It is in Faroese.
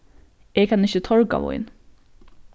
eg kann ikki torga vín